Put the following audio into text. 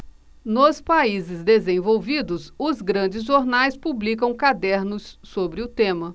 nos países desenvolvidos os grandes jornais publicam cadernos sobre o tema